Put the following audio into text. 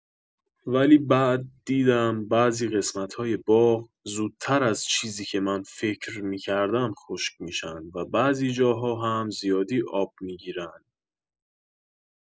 ولی بعد دیدم بعضی قسمت‌های باغ زودتر از چیزی که من فکر می‌کردم خشک می‌شن و بعضی جاها هم زیادی آب می‌گیرن.